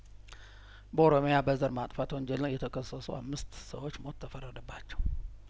በኦሮሚያ በዘር ማጥፋት ወንጀል የተከሰሱ አምስት ሰዎች ሞት ተፈረደባቸው